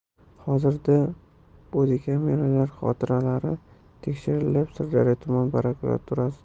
hozirda bodikameralar xotiralari tekshirilib sirdaryo tuman prokuraturasi